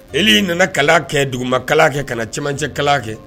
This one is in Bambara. E' nana kalan kɛ duguma kala kɛ kana cɛman cɛ kala kɛ